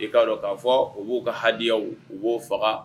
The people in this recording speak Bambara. I k'a dɔn k'a fɔ u b'o ka hadiya u b'o faga